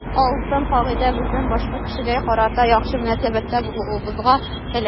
Алтын кагыйдә бездән башка кешегә карата яхшы мөнәсәбәттә булуыбызны таләп итә.